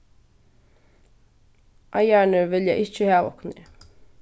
eigararnir vilja ikki hava okkum her